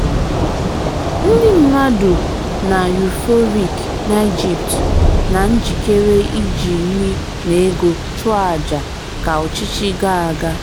@HB_1_2011: ndị mmadụ na-euphoric na Ijipt, na njikere iji nri na ego chụọ àjà ka ọchịchị ga-aga #jan25 #Egypt.